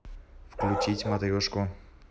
включить матрешку